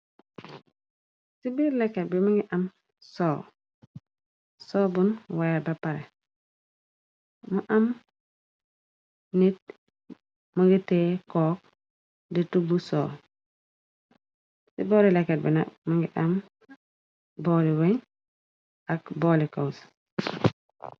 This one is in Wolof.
ci biir lakkat bi ma ngi am soo soo bun waye ba pare mu am nit më ngi tee kook di tubbu soo ci boori lekkat bina më ngi am booli roñ ak booli couse